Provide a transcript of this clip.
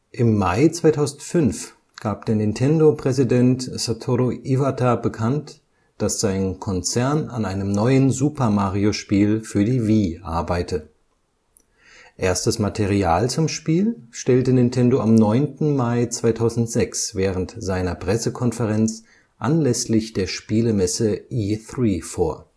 Im Mai 2005 gab der Nintendo-Präsident Satoru Iwata bekannt, dass sein Konzern an einem neuen Super-Mario-Spiel für die Wii arbeite. Erstes Material zum Spiel stellte Nintendo am 9. Mai 2006 während seiner Pressekonferenz anlässlich der Spielemesse E³ vor